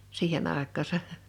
siihen aikaansa